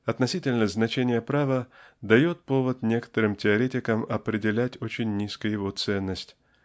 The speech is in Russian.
Относительное значение права дает повод некоторым теоретикам определять очень низко его ценность.